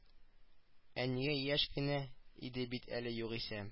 Әнигә яшь кенә иде бит әле югыйсә